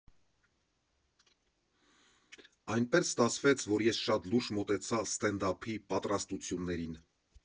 Այնպես ստացվեց, որ ես շատ լուրջ մոտեցա սթենդափի պատրաստություններին։